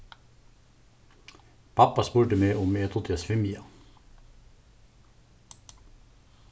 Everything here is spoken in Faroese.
babba spurdi meg um eg dugdi at svimja